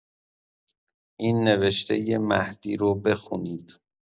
این نوشتۀ مهدی رو بخونید!